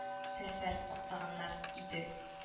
Сәфәр атлаганнар иде